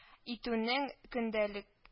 Итүнең көндәлек